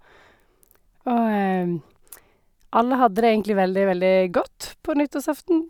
Og alle hadde det egentlig veldig, veldig godt på nyttårsaften.